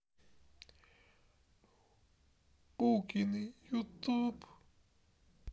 букины ютуб